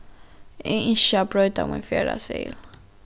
eg ynski at broyta mín ferðaseðil